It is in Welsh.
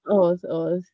Oedd, oedd.